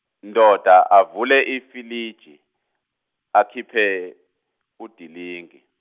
ndoda, avule ifiliji, akhiphe, udilinki.